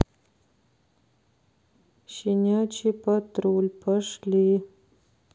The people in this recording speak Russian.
щенячий патруль пошли